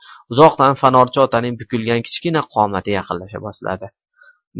uzoqdan fanorchi otaning bukilgan kichkina qomati yaqinlasha boshladi